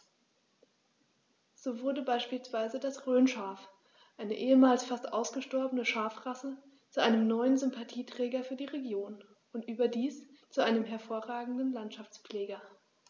So wurde beispielsweise das Rhönschaf, eine ehemals fast ausgestorbene Schafrasse, zu einem neuen Sympathieträger für die Region – und überdies zu einem hervorragenden Landschaftspfleger.